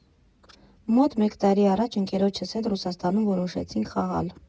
«Մոտ մեկ տարի առաջ ընկերոջս հետ Ռուսաստանում որոշեցինք խաղալ։